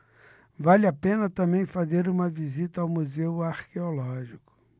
vale a pena também fazer uma visita ao museu arqueológico